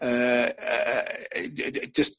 yy yy yy e- ei e- jst